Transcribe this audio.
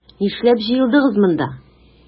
Нишләп җыелдыгыз монда?